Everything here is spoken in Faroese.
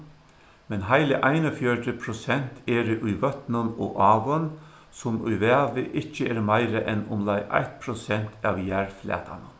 men heili einogfjøruti prosent eru í vøtnum og áum sum í vavi ikki eru meira enn umleið eitt prosent av jarðflatanum